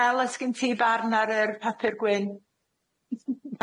Mel os gin ti barn ar yr papur gwyn?